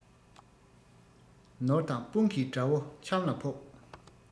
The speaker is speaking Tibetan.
ནོར དང དཔུང གིས དགྲ བོ ཆམ ལ ཕོབ